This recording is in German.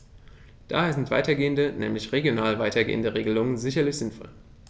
Daher sind weitergehende, nämlich regional weitergehende Regelungen sicherlich sinnvoll.